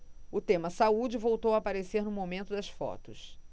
o tema saúde voltou a aparecer no momento das fotos